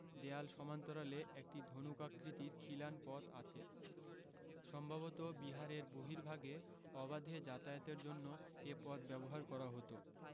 দেয়াল সমান্তরালে একটি ধনুকাকৃতির খিলান পথ আছে সম্ভবত বিহারের বর্হিভাগে অবাধে যাতায়াতের জন্য এ পথ ব্যবহার করা হতো